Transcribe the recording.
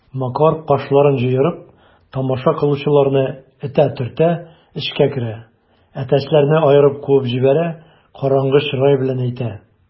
Макар, кашларын җыерып, тамаша кылучыларны этә-төртә эчкә керә, әтәчләрне аерып куып җибәрә, караңгы чырай белән әйтә: